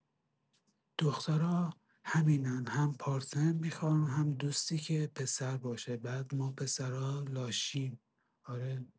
دخترا همینن هم پارتنر میخان هم دوستی که پسر باشه بعد ما پسرا لاشیم اره